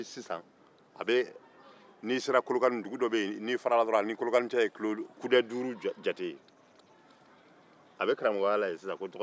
a bɛ karamɔgɔya dugu dɔ la min ni kolokani cɛ ye kilo duuru ye